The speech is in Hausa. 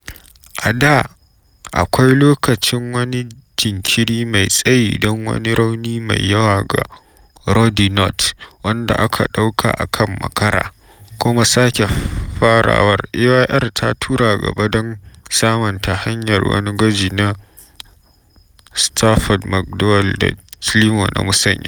A da akwai a lokacin wani jinkiri mai tsayi don wani rauni mai yawa ga Ruaridh Knott, wanda aka ɗauka a kan makara, kuma sake farawar, Ayr ta tura gaba dan saman ta hanyar wani gwaji na Stafford McDowall, da Climo ya musanya.